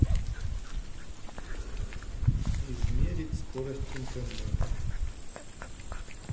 измерить скорость интернета